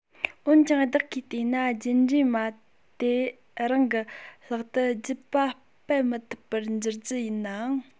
འོན ཀྱང བདག གིས བལྟས ན རྒྱུད འདྲེས མ དེ རང ནི ལྷག ཏུ རྒྱུད པ སྤེལ མི ཐུབ པར འགྱུར རྒྱུ ཡིན ནའང